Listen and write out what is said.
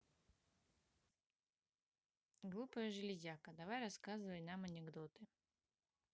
глупая железяка давай рассказывай нам анекдоты